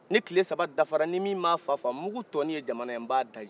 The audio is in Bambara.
ni tile saba dafara ni min ma fa faga mugu tɔnin ye jamana ye n b'a daji